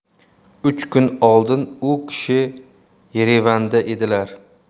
uch kun oldin u kishi yerevanda edilar